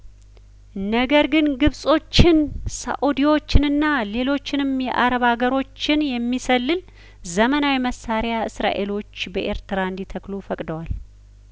ነገር ግን ግብጾችን ሳኡዲዎችንና ሌሎችንም የአረብ አገሮችን የሚሰልል ዘመናዊ መሳሪያ እስራኤሎች በኤርትራ እንዲተክሉ ፈቅደዋል